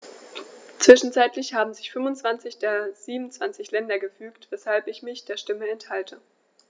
Zwischenzeitlich haben sich 25 der 27 Länder gefügt, weshalb ich mich der Stimme enthalte.